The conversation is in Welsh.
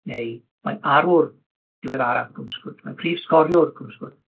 neu mae arwr diweddaraf Cwm Sgwt, ma' prif sgoriwr Cwm Sgwt.